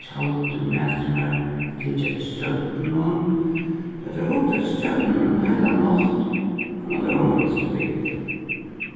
við tjaldi um næturnar at hyggja eftir stjørnum tá teir hava hugt eftir stjørnunum eina heila nátt koma teir oman aftur í bygdina